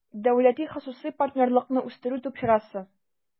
«дәүләти-хосусый партнерлыкны үстерү» төп чарасы